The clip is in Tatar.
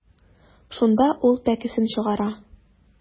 Шунда ул пәкесен чыгара.